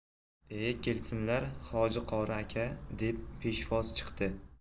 e kelsinlar hojiqori aka deb peshvoz chiqdi